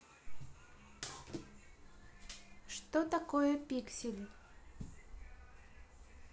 что такое пиксели